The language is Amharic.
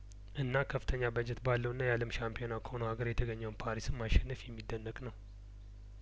እና ከፍተኛ በጀት ባለውና የአለም ሻምፒዮን ከሆነው ሀገር የተገኘውን ፓሪስን ማሸነፍ የሚደነቅ ነው